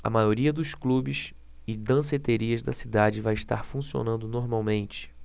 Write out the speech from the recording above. a maioria dos clubes e danceterias da cidade vai estar funcionando normalmente